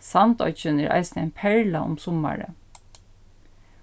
sandoyggin er eisini ein perla um summarið